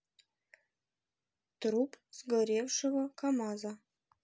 труп сгоревшего камаза